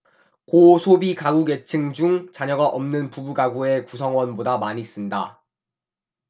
고소비가구계층 중 자녀가 없는 부부가구의 구성원보다 많이 쓴다